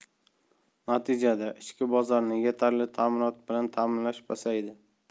natijada ichki bozorni yetarli ta'minot bilan ta'minlash pasaydi